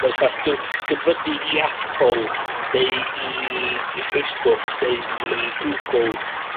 ma'n saff. Dyw, 'di o'm fynnu i Apple, neu i i Facebook neu i Google